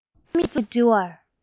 འོ ན རྩོམ ཡིག འབྲི བར